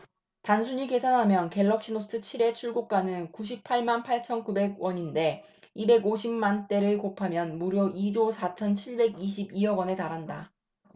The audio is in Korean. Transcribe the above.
단순히 계산하면 갤럭시노트 칠 의 출고가는 구십 팔 만 팔천 구백 원인데 이백 오십 만대를 곱하면 무려 이 조 사천 칠백 이십 이 억원에 달한다